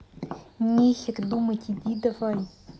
нехер думать иди давай